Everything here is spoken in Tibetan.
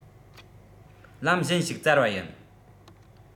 ལམ གཞན ཞིག བཙལ བ ཡིན